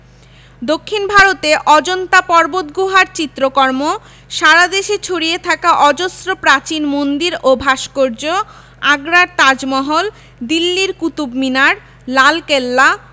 দক্ষিন ভারতে অজন্তা পর্বতগুহার চিত্রকর্ম সারা দেশে ছড়িয়ে থাকা অজস্র প্রাচীন মন্দির ও ভাস্কর্য আগ্রার তাজমহল দিল্লির কুতুব মিনার লালকেল্লা